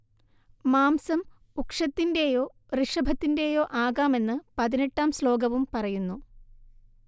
മാംസം ഉക്ഷത്തിന്റെയോ ഋഷഭത്തിന്റെയോ ആകാമെന്ന് പതിനെട്ടാം ശ്ലോകവും പറയുന്നു